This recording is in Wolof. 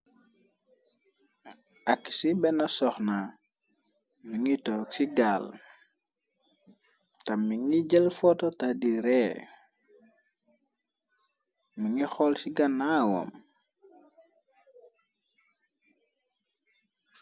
Ak ci benna soxna mongi toog ci gaal ak tamit mongi foto di rée mongi xol ci gannaawam.